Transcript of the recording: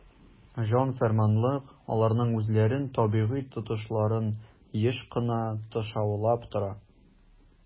"җан-фәрманлык" аларның үзләрен табигый тотышларын еш кына тышаулап тора.